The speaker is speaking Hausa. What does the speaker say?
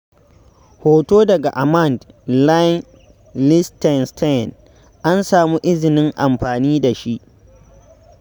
Hoto daga Amand Leigh Lichtenstein, an samu izinin amfani da shi.